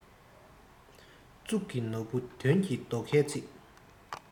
གཙུག གི ནོར བུ དོན གྱི རྡོ ཁའི ཚིག